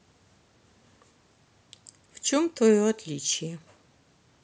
в чем твое отличие